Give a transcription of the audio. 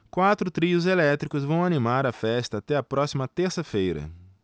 quatro trios elétricos vão animar a festa até a próxima terça-feira